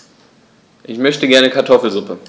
Ich möchte gerne Kartoffelsuppe.